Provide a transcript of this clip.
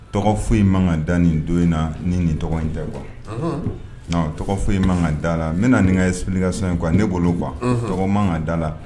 Tɔgɔ foyi man ka da nin don in na ni nin tɔgɔ in tɛ quoi unhun, non tɔgɔ foyi man ka da la n bɛ na ni n ka explication ye quoi ne bolo quoi tɔgɔ man ka d'a la